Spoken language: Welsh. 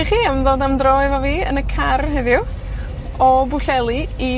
i chi am ddod am dro efo fi yn y car heddiw, o Bwlleli, i